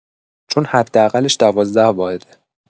چون حداقلش ۱۲ واحده